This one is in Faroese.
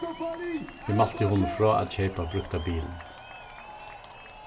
eg mælti honum frá at keypa brúkta bilin